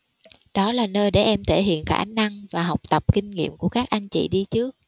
đó là nơi để em thể hiện khả năng và học tập kinh nghiệm của các anh chị đi trước